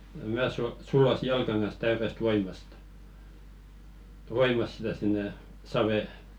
minä - sulloin jalkani kanssa täydestä voimasta voimasta sitä sinne saveen